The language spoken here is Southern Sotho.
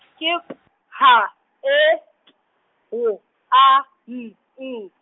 ke P H E T W A N G.